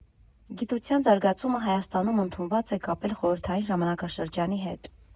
Գիտության զարգացումը Հայաստանում ընդունված է կապել խորհրդային ժամանակաշրջանի հետ։